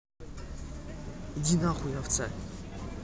иди ты нахуй овца